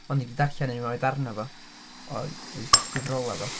O'n i 'di darllen un o'i ddarnau fo o'i o'i gyfrolau fo.